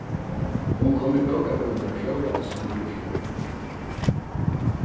hon kom í bókabúðirnar fjórða desembur í fjør